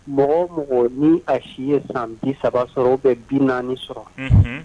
Mɔgɔ o mɔgɔ ni a si ye san bi 30 sɔrɔ ou bien 40 sɔrɔ, unhun.